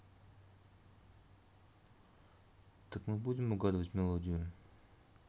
так мы будем угадывать мелодию